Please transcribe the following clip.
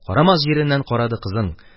Карамас җиреннән карады кызың.